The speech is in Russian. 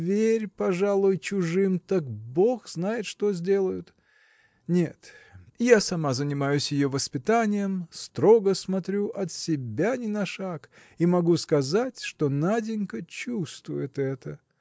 Вверь, пожалуй, чужим, так бог знает что сделают. Нет! я сама занималась ее воспитанием строго смотрю от себя ни на шаг и могу сказать что Наденька чувствует это